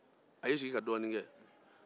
a y'i sigi ka dɔɔnin kɛ